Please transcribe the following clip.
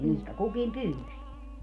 mihin kukin pyysi